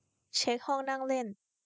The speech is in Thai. เช็คห้องนั่งเล่น